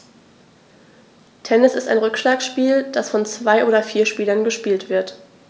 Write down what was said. Tennis ist ein Rückschlagspiel, das von zwei oder vier Spielern gespielt wird.